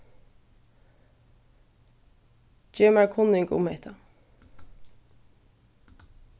gev mær kunning um hetta